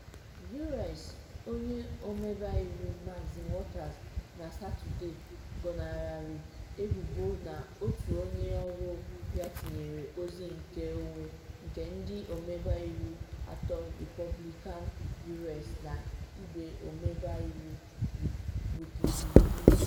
U.S. Onye ọmebe iwu Maxine Waters na Satọde gọnarịrị ebubo na otu onye ọrụ ya tinyere ozi nkeonwe nke ndị ọmebe iwu atọ Repọblikan U.S. na ibe ọmebe iwu Wikipedia.